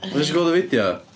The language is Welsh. Dach chi isio gweld y fideo?